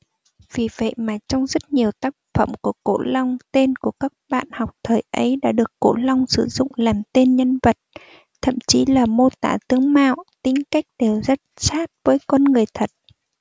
vì vậy mà trong rất nhiều tác phẩm của cổ long tên của các bạn học thời ấy đã được cổ long sử dụng làm tên nhân vật thậm chí là mô tả tướng mạo tính cách đều rất sát với con người thật